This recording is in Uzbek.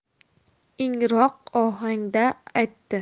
ingroq ohangda aytdi